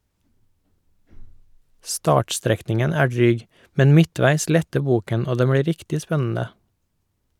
Startstrekningen er dryg, men midtveis letter boken og den blir riktig spennende.